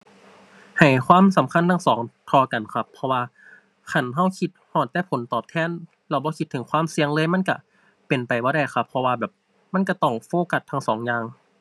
ให้ความสำคัญทั้งสองเท่ากันครับ เพราะว่าคันเราคิดฮอดแต่ผลตอบแทน แล้วบ่คิดถึงความเสี่ยงเลย มันเราเป็นไปบ่ได้ครับ เพราะว่าแบบมันเราต้องโฟกัสทั้งสองอย่าง